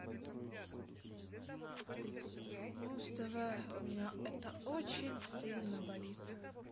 муз тв у меня это очень сильно болит